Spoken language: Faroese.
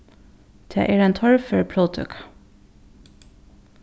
tað er ein torfør próvtøka